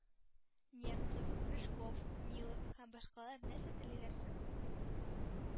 Немцов, Рыжков, Милов һәм башкалар нәрсә телиләр соң?